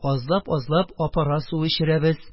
Азлап-азлап апара суы эчерәбез.